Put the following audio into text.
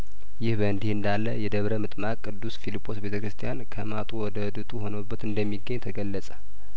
ይህ በእንዲህ እንዳለ የደብረምጥማቅ ቅዱስ ፊልጶስ ቤተ ክርስቲያን ከማጡ ወደ ድጡ ሆኖበት እንደሚገኝ ተገለጸ